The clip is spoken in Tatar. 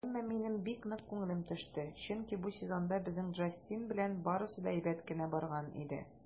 Әмма минем бик нык күңелем төште, чөнки бу сезонда безнең Джастин белән барысы да әйбәт кенә барган иде.